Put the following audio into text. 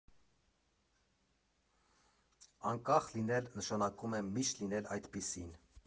Անկախ լինել, նշանակում է մի՛շտ լինել այդպիսին։